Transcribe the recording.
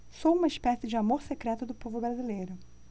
sou uma espécie de amor secreto do povo brasileiro